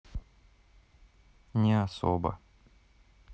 не особо